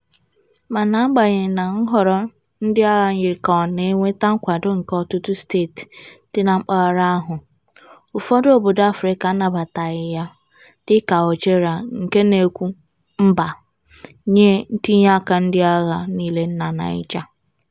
Mana agbanyeghị na nhọrọ ndịagha yiri ka ọ na-enweta nkwado nke ọtụtụ steeti dị na mpaghara ahụ, ụfọdụ obodo Afrịka anabataghị ya, dịka Algeria, nke na-ekwu 'mba' nye ntinyeaka ndịagha niile na Niger.